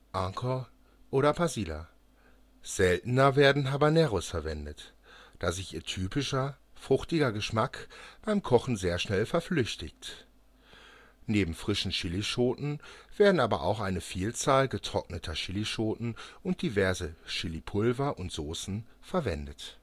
Ancho oder Pasilla. Seltener werden Habaneros verwendet, da sich ihr typischer, fruchtiger Geschmack beim Kochen sehr schnell verflüchtigt. Neben frischen Chilischoten werden aber auch eine Vielzahl getrockneter Chilischoten und diverse Chilipulver und - saucen verwendet